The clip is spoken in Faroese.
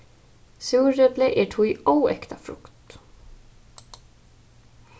súrepli er tí óektað frukt